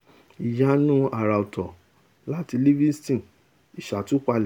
Ìyanu Àrà-ọ̀tọ̀' láti Livingston - ìṣàtúpalẹ̀